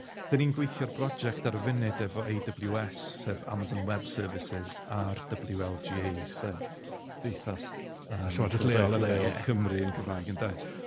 'Dan ni'n gweithio a' broject ar y funud efo Ay Double YouEss, sef Amazon Web Services, a'r WLGA, sef Cymdeithas yy Llowodraeth Leol Leol Cymru yn Gymraeg ynde?